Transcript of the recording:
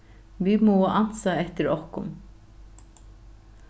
vit mugu ansa eftir okkum